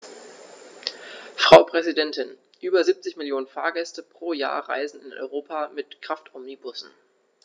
Frau Präsidentin, über 70 Millionen Fahrgäste pro Jahr reisen in Europa mit Kraftomnibussen.